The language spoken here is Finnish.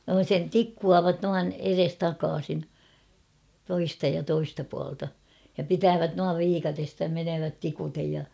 sen tikkuavat noin edestakaisin toista ja toista puolelta ja pitävät noin viikatteesta ja menevät tikuten ja